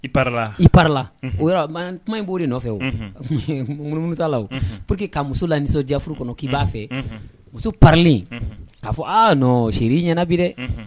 I paré la o kuma in b'o de nɔfɛ munu munu t'ala pour que ka muso la nisɔndiya furu kɔnɔ k'i b'a fɛ muso paré len k'a fɔ aa non chérie i ɲɛna bi dɛ